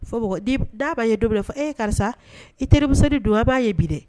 Fo mɔgɔ, n'a ma ye don min na fo e karisa i terimusonin dun an m'a ye bi dɛ